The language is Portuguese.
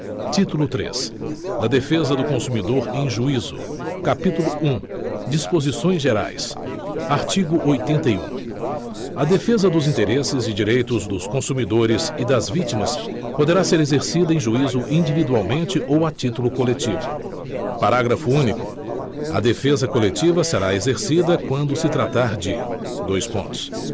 título três da defesa do consumidor em juízo capítulo um disposições gerais artigo oitenta e um a defesa dos interesses e direitos dos consumidores e das vítimas poderá ser exercida em juízo individualmente ou a título coletivo parágrafo único a defesa coletiva será exercida quando se tratar de dois pontos